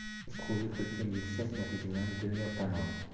biz qo'lga kiritgan yuksak natijalarni dunyo tan oldi